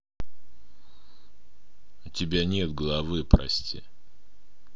у тебя нет головы прости